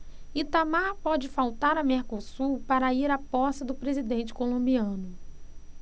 itamar pode faltar a mercosul para ir à posse do presidente colombiano